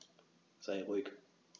Sei ruhig.